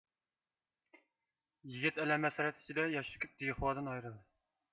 يىگىت ئەلەم ھەسرەت ئىچىدە ياش تۆكۈپ دىخوادىن ئايرىلدى